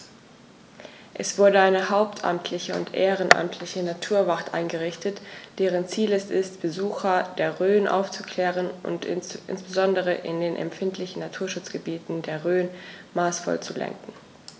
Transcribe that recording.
Es wurde eine hauptamtliche und ehrenamtliche Naturwacht eingerichtet, deren Ziel es ist, Besucher der Rhön aufzuklären und insbesondere in den empfindlichen Naturschutzgebieten der Rhön maßvoll zu lenken.